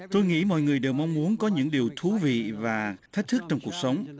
tôi nghĩ mọi người đều mong muốn có những điều thú vị và thách thức trong cuộc sống